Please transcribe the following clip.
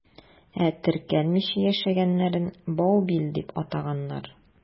Ә теркәлмичә яшәгәннәрен «баубил» дип атаганнар.